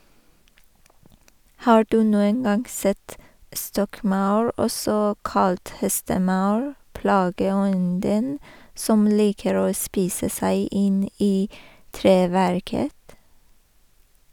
Har du noen gang sett stokkmaur , også kalt hestemaur, plageånden som liker å spise seg inn i treverket?